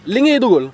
li ngay dugal